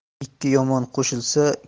ikki yomon qo'shilsa